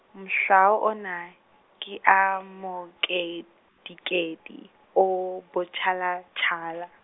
mahlo ona, ke a mokedikedi a botjhalatjhala.